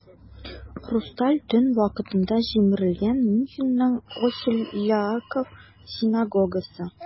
"хрусталь төн" вакытында җимерелгән мюнхенның "охель яаков" синагогасы.